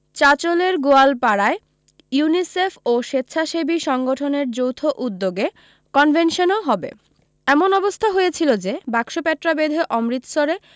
চাঁচলের গোয়ালপাড়ায় ইউনিসেফ ও স্বেচ্ছাসেবী সংগঠনের যৌথ উদ্যোগে কনভেনশনও হবে এমন অবস্থা হয়েছিলো যে বাক্সপ্যাঁটরা বেঁধে অমৃতসরে